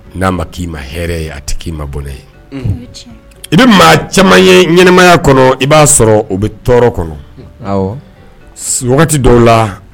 N'a ma k'i ma hɛrɛɛ ye a tɛ k'i ma bɔnɛ ye i bɛ maa caman ye ɲɛnɛmaya kɔnɔ i b'a sɔrɔ o bɛ tɔɔrɔ kɔnɔ wagati dɔw la